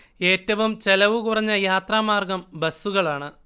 ഏറ്റവും ചെലവ് കുറഞ്ഞ യാത്രാ മാർഗ്ഗം ബസ്സുകളാണ്